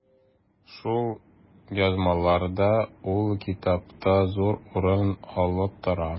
Шул язмалар да ул китапта зур урын алып тора.